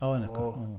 O wi'n lico, o...